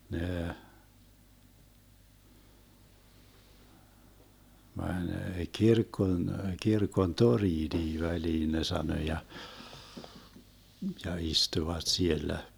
ne meni kirkon kirkon torniinkin väliin ne sanoi ja ja istuivat siellä